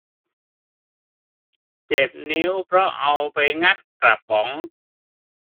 เจ็บนิ้วเพราะเอาไปงัดกระป๋อง